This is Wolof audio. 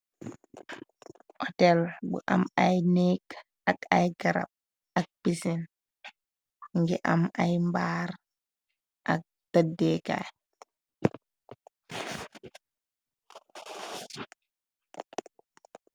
Otel bu am ay nékk ak ay garab ak pisin, ngi am ay mbaar ak tëddeekaay.